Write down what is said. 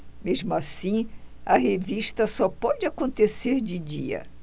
mesmo assim a revista só pode acontecer de dia